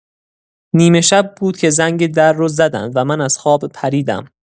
نیمه‌شب بود که زنگ در رو زدن و من از خواب پریدم.